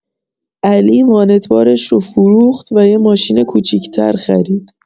علی وانت‌بارش رو فروخت و یه ماشین کوچیک‌تر خرید.